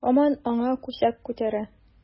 Һаман аңа күсәк күтәрә.